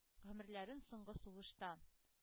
Гомерләрен соңгы сулышта